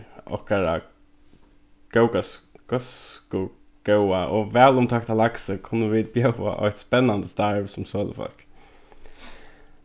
okkara góðskugóða og vælumtókta laksi kunnu vit bjóða eitt spennandi starv sum sølufólk